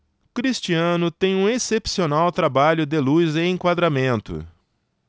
cristiano tem um excepcional trabalho de luz e enquadramento